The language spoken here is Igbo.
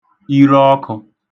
irọọk̇ụ̄